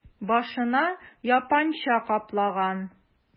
Башына япанча каплаган...